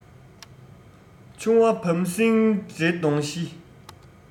ཆུང བ བམ སྲིང འདྲེ གདོང བཞི